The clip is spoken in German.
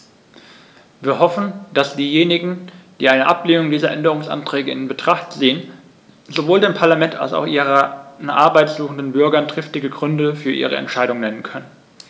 Wir hoffen, dass diejenigen, die eine Ablehnung dieser Änderungsanträge in Betracht ziehen, sowohl dem Parlament als auch ihren Arbeit suchenden Bürgern triftige Gründe für ihre Entscheidung nennen können.